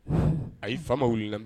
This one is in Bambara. Ayi, fa ma wili n la